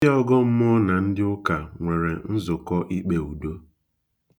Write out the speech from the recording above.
Ndị ọgọmmụọ na ndị ụka nwere nzụkọ ikpe udo.